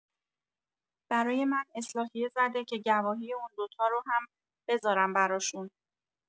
برای من اصلاحیه زده که گواهی اون دوتا رو هم بذارم براشون.